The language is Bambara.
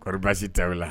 Kɔrɔ baasi t'aw la